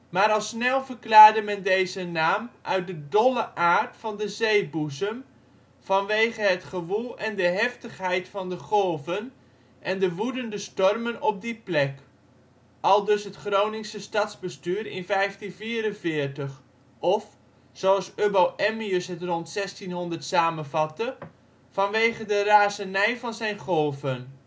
Maar al snel verklaarde men deze naam uit de ‘dolle aard’ van de zeeboezem, vanwege ' het gewoel en de heftigheid van de golven en de woedende stormen op die plek ' (aldus het Groningse stadsbestuur in 1544), of - zoals Ubbo Emmius het rond 1600 samenvatte, ‘vanwege de razernij van zijn golven